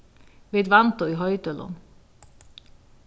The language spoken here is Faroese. vit vandu í hoydølum